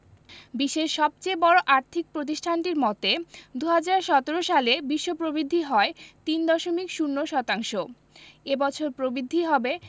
বিশ্বের সবচেয়ে বড় আর্থিক প্রতিষ্ঠানটির মতে ২০১৭ সালে বিশ্ব প্রবৃদ্ধি হয় ৩.০ শতাংশ এ বছর প্রবৃদ্ধি হবে